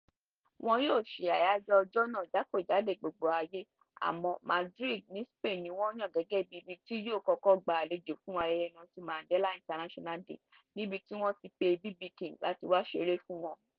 Wọn yóò ṣe ayẹ́yẹ́ ọjọ́ náà jákè-jádò gbogbo ayé àmọ́ Madrid ni Spain ni wọ́n yàn gẹ́gẹ́ bí ibi tí yóò kọ́kọ́ gba àlejò fún ayẹyẹ Nelson Mandela International Day, níbi tí wọ́n ti pé BB King láti wá ṣere fún wọn.